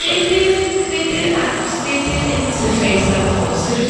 ...be' 'di'r, be 'di'r aps, be' 'di'r interface ar hwn, sud wt...